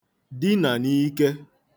dinà n'ike